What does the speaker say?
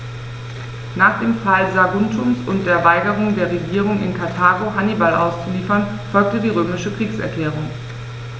Nach dem Fall Saguntums und der Weigerung der Regierung in Karthago, Hannibal auszuliefern, folgte die römische Kriegserklärung.